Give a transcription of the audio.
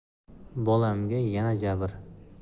bolamga yana jabr